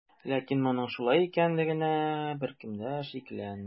Ләкин моның шулай икәнлегенә беркем дә шикләнми.